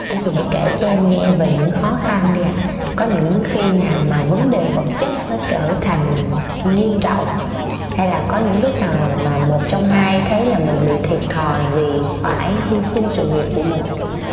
anh chị hãy kể cho em nghe về những khó khăn đi ạ có những khi nào mà vấn đề vật chất nó trở thành nghiêm trọng hay là có những lúc nào mà một trong hai thấy là mình bị thiệt thòi vì phải hy sinh sự nghiệp của mình